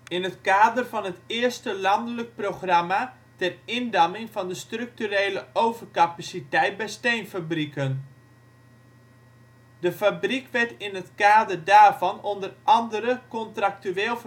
in het kader van het eerste landelijk programma ter indamming van de structurele overcapaciteit bij steenfabrieken. De fabriek werd in het kader daarvan onder andere contractueel